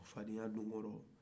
fadenya donn'o la